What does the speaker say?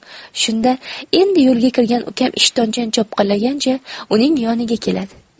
shunda endi yo'lga kirgan ukam ishtonchan chopqillagancha uning yoniga keladi